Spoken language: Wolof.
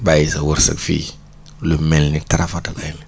bàyyi sa wërsëg fii lu mel ni tarfatal ayni